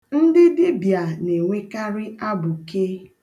Ndị dịbịa na-enwekarị abụke.